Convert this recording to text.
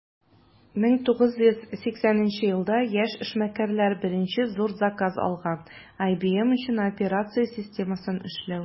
1980 елда яшь эшмәкәрләр беренче зур заказ алган - ibm өчен операция системасын эшләү.